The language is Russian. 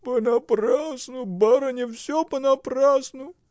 — Понапрасну, барыня, всё понапрасну.